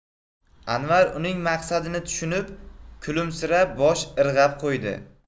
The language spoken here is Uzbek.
anvar uning maqsadini tushunib kulimsirab bosh irg'ab qo'ydi